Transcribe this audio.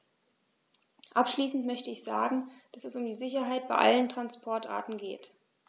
Abschließend möchte ich sagen, dass es um die Sicherheit bei allen Transportarten geht.